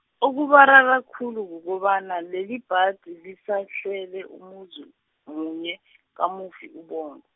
okubarara khulu kukobana lelibhadi lisahlele umuzi, munye, kamufi uBongw-.